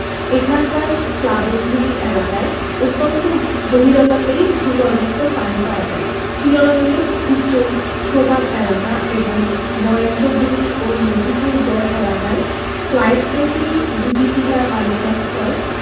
এখানকার প্লাবনভূমি এলাকায় অত্যল্প গভীরতাতেই ভূগর্ভস্থ পানি পাওয়া যায় তুলনামূলক উঁচু সোপান এলাকা অর্থাৎ বরেন্দ্রভূমি ও মধুপুরগড় এলাকায় প্লাইসটোসিন ডুপি টিলা বালুকাস্তর